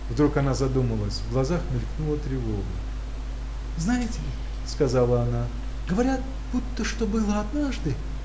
Вдруг она задумалась; в глазах мелькнула тревога. – Знаете ли – сказала она – говорят будто что было однажды